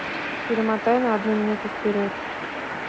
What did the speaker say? перемотай на одну минуту вперед